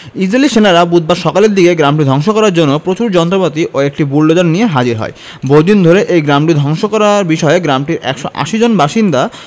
ইসরাইলী সেনারা বুধবার সকালের দিকে গ্রামটি ধ্বংস করার জন্য প্রচুর যন্ত্রপাতি ও একটি বুলডোজার নিয়ে হাজির হয় বহুদিন ধরে এই গ্রামটি ধ্বংস করার বিষয়ে গ্রামটির ১৮০ জন বাসিন্দা